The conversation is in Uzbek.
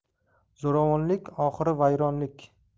zo'ravonlik oxiri vayronlik